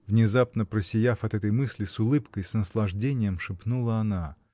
— внезапно просияв от этой мысли, с улыбкой, с наслаждением шепнула она.